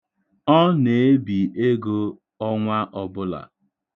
Ọ na-ebi ego ọnwa ọbụla.